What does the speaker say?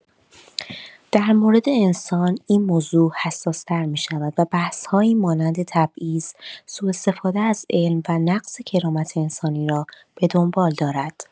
در مورد انسان، این موضوع حساس‌تر می‌شود و بحث‌هایی مانند تبعیض، سوءاستفاده از علم و نقض کرامت انسانی را به دنبال دارد.